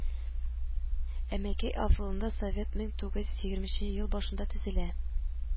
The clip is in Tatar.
Әмәкәй авылында Совет мең тугыз йөз егерменче ел башында төзелә